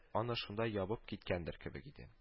Аны шунда ябып киткәндер кебек иде